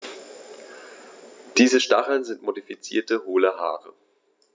Diese Stacheln sind modifizierte, hohle Haare.